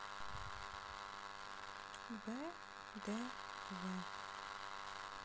б д в